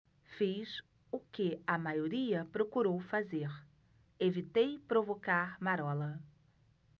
fiz o que a maioria procurou fazer evitei provocar marola